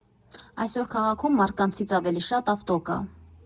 Այսօր քաղաքում մարդկանցից ավելի շատ ավտո կա.